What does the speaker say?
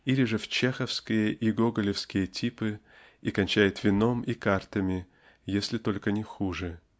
или же в чеховские и гоголевские типы и кончает вином и картами если только не хуже.